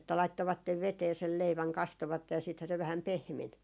että laittoivat veteen sen leivän kastoivat ja siitähän se vähän pehmeni